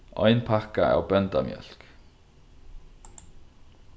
ein pakka av bóndamjólk